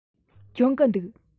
སྦྱོང གི འདུག